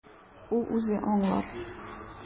Ул үзе аңлар.